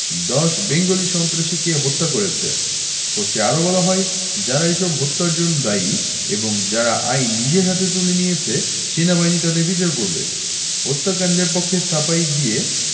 ১০ Bengali সন্ত্রাসীকে হত্যা করেছে পোস্টে আরো বলা হয় যারা এসব হত্যার জন্য দায়ী এবং যারা আইন নিজের হাতে তুলে নিয়েছে সেনাবাহিনী তাদের বিচার করবে হত্যাকাণ্ডের পক্ষে সাফাই গেয়ে